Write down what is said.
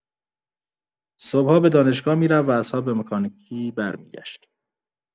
صبح‌ها به دانشگاه می‌رفت و عصرها به مکانیکی برمی‌گشت.